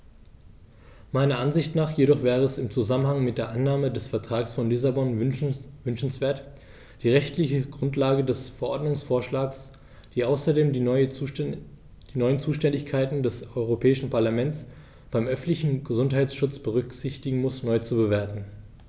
Meiner Ansicht nach jedoch wäre es im Zusammenhang mit der Annahme des Vertrags von Lissabon wünschenswert, die rechtliche Grundlage des Verordnungsvorschlags, die außerdem die neuen Zuständigkeiten des Europäischen Parlaments beim öffentlichen Gesundheitsschutz berücksichtigen muss, neu zu bewerten.